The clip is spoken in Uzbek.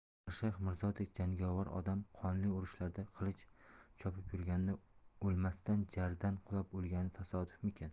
umarshayx mirzodek jangovar odam qonli urushlarda qilich chopib yurganda o'lmasdan jardan qulab o'lgani tasodifmikin